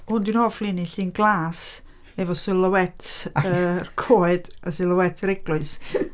Hwn 'di'n hoff lun i; llun glas efo silhouette yr coed a silhouette yr Eglwys .